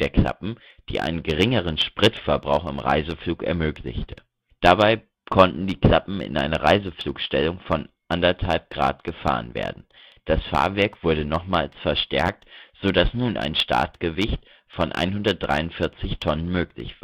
Klappen, die einen geringeren Spritverbrauch im Reiseflug ermöglichte. Dabei konnten die Klappen in eine Reiseflugstellung von 1,5° gefahren werden. Das Fahrwerk wurde nochmals verstärkt, so dass nun ein Startgewicht von 143 Tonnen möglich